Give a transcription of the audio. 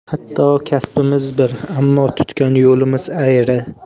hatto kasbimiz bir ammo tutgan yo'limiz ayri